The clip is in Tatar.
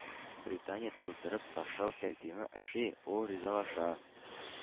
Британияне туздырып ташлау тәкъдиме ошый, ул ризалаша.